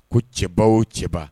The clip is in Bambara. Ko cɛba o cɛbaba